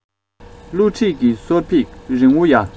བསླུ བྲིད ཀྱི གསོར འབིག རིང བོ ཡ